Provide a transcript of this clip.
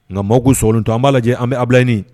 Nka mɔgɔw' solon to an b'a lajɛ an bɛ abiyini